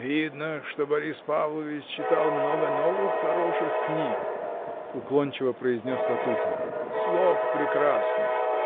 — Видно, что Борис Павлович читал много новых, хороших книг. — уклончиво произнес Ватутин. — Слог прекрасный!